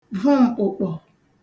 vụ m̀kpụ̀kpọ̀